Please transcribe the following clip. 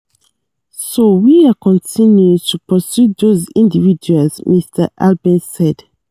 So we are continuing to pursue those individuals," Mr. Albence said.